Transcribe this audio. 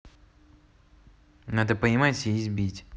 надо поймать и избить